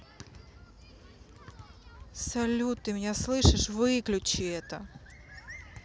салют ты меня слышишь выключи это